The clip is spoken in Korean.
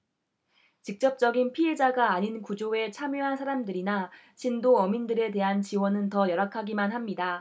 직접적인 피해자가 아닌 구조에 참여한 사람들이나 진도어민들에 대한 지원은 더 열악하기만 합니다